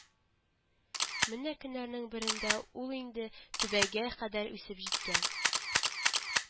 Менә көннәрнең берендә ул инде түбәгә кадәр үсеп җиткән